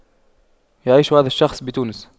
يعيش هذا الشخص بتونس